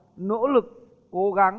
nỗ lực cố gắng